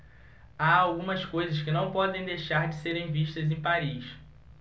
há algumas coisas que não podem deixar de serem vistas em paris